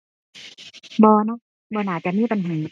บ่เนาะ บ่น่าจะมีปัญหา